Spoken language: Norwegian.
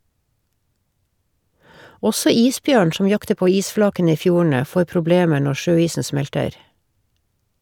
Også isbjørn som jakter på isflakene i fjordene får problemer når sjøisen smelter.